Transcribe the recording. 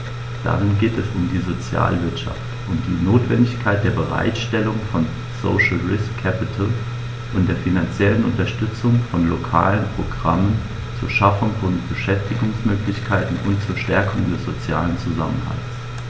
Darin geht es um die Sozialwirtschaft und die Notwendigkeit der Bereitstellung von "social risk capital" und der finanziellen Unterstützung von lokalen Programmen zur Schaffung von Beschäftigungsmöglichkeiten und zur Stärkung des sozialen Zusammenhalts.